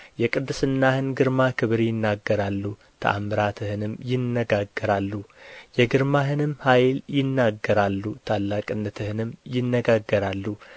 የቅድስናህን ግርማ ክብር ይናገራሉ ተኣምራትህንም ይነጋገራሉ የግርማህንም ኃይል ይናገራሉ ታላቅነትህንም ይነጋገራሉ